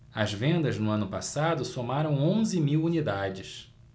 as vendas no ano passado somaram onze mil unidades